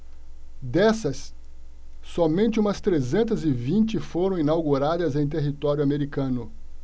dessas somente umas trezentas e vinte foram inauguradas em território americano